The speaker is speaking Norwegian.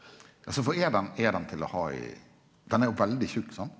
altså for er den er den til å ha i den er jo veldig tjukk sant?